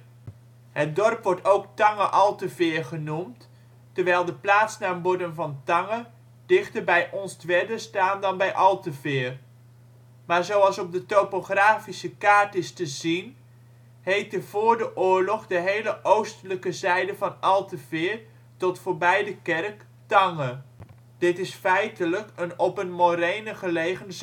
Het dorp wordt ook Tange-Alteveer genoemd terwijl de plaatsnaamborden van Tange dichter bij Onstwedde staan dan bij Alteveer. Maar zoals op de topografische kaart hiernaast is te zien heette voor de oorlog de hele oostelijke zijde van Alteveer tot voorbij de kerk Tange. Dit is feitelijk een op een morene gelegen